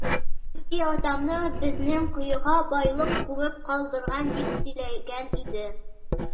Миңа түти атамны безнең коега байлык күмеп калдырган дип сөйләгән иде.